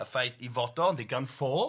Y ffaith ei fod o yn ddigon ffôl